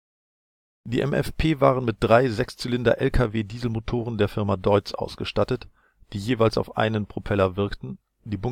Die MFP waren mit drei Sechszylinder-LKW-Dieselmotoren von Deutz ausgestattet, die jeweils auf einen Propeller wirkten. Die